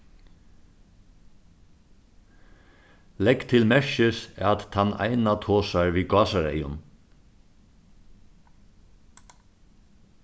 legg til merkis at tann eina tosar við gásareygum